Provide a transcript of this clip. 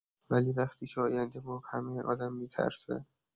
ولی وقتی آینده مبهمه، آدم می‌ترسه.